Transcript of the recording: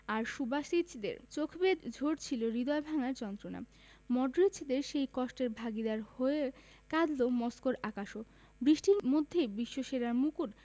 আর সুবাসিচদের চোখ বেয়ে ঝরছিল হৃদয় ভাঙার যন্ত্রণা মডরিচদের সেই কষ্টের ভাগিদার হয়ে কাঁদল মস্কোর আকাশও বৃষ্টির মধ্যেই বিশ্বসেরার মুকুট